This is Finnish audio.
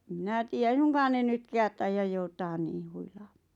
en minä tiedä ei suinkaan ne nytkään taida joutaa niin huilaamaan